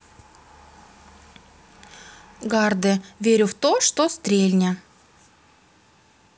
garde верю в то что стрельня